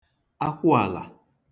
akwụàlà